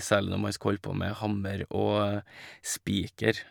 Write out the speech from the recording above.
Særlig når man skal holde på med hammer og spiker.